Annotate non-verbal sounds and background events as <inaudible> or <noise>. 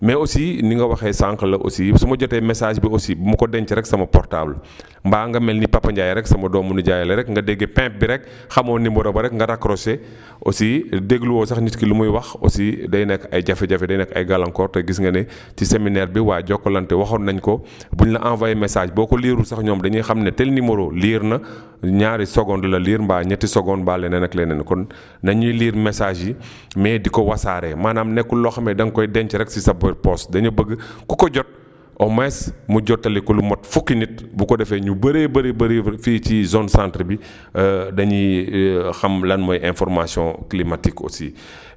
mais aussi ni nga waxee sànq la aussi su ma jotee message bi aussi bu ma ko denc rekk sama portable <breath> mbaa nga mel ni Papa Ndiaye rekk sama doomu nijaay la rekk nga dégg pinp bi rekk xamoo numéro ba rekk nga racrocher <breath> aussi dégluwoo sax nit ki lu muy wax aussi day nekk ay jafe-jafe day nekk ay gàllankoor te gis nga ne <breath> ci seminaire bi waa Jokalante waxoon nañ ko <breath> buñ la envoyer message boo ko liirul sax ñoom dañuy xam ne tel numéro lire na <breath> ñaari seconde la lire mbaa ñetti seconde mbaa leneen ak leneen kon <breath> na ñuy lire message yi <breath> mais di ko wasaare maanaam nekkul loo xam ne da nga koy denc rekk si sa po poche dañu bëgg <breath> ku ko jot au moins mu jotali ko lu mot fukki nit bu ko defee ñu bëri bëree bëree fii ci zone centre bi <breath> <hesitation> dañuy <hesitation> xam lan mooy information climatique aussi <breath>